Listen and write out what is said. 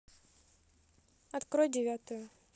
открой девятую